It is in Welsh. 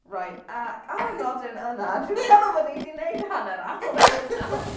Reit, ac ar y nodyn yna dwi'n meddwl bod ni 'di wneud hanner awr nawr .